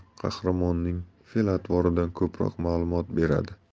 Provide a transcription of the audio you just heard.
qahramonning fe'l atvoridan ko'proq ma'lumot beradi